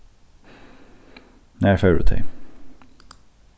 nær fóru tey